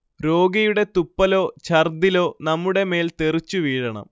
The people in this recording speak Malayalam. രോഗിയുടെ തുപ്പലോ ഛർദ്ദിലോ നമ്മുടെ മേൽ തെറിച്ചു വീഴണം